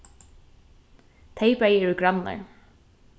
tey bæði eru grannar